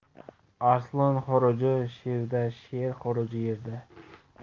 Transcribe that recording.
arslon xuruji sherda sher xuruji erda